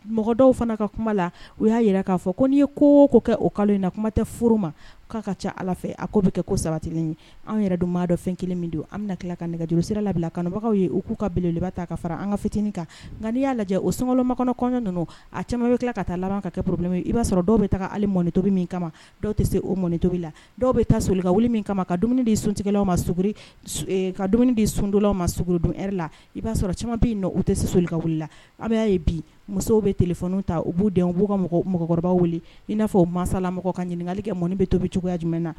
Mɔgɔ dɔw fana ka kuma la u y'a jira k'a fɔ ko n'i ye ko ko kɛ o kalo in na kuma tɛ furu ma k'a ka ca ala fɛ a k ko bɛ kɛ ko sabatilen ye an yɛrɛ don maadɔ fɛn kelen don an bɛna tila ka nɛgɛj sira labila kanubagaw ye u k'u ka b'a ta ka fara an ka fitiniinin kan nka n'i y'a lajɛ o solomakɔnɔ kɔɲɔ ninnu a cɛ bɛ tila ka taa laban ka kɛ porobi i b'a sɔrɔ dɔw bɛ taa ali mɔni tobi min kama dɔw tɛ se o mɔni tobi la dɔw bɛ taa solika wuli min kama ka dumuni di suntigɛlaw ma sri ka dumuni di sundolaw ma sugu don e la i b'a sɔrɔ caman bɛ u tɛ se solika wuli la a'a ye bi musow bɛ tile ta u b'u denw u b'u ka mɔgɔkɔrɔba wuli i n'a o mansalamɔgɔ ka ɲini ɲininka'li kɛ mɔni bɛ tobi cogoyaya jumɛn na